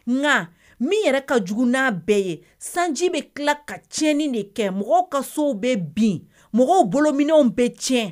Nka min yɛrɛ ka jugu n'a bɛɛ ye , sanji bɛ tila ka tiɲɛni de kɛ , mɔgɔw ka sow bɛ bin mɔgɔw bolominw bɛ cɛn.